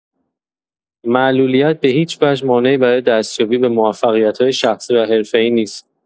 معلولیت به‌هیچ‌وجه مانعی برای دستیابی به موفقیت‌های شخصی و حرفه‌ای نیست.